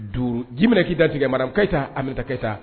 Don jimina k'i da tigɛ marayita a bɛkɛ sa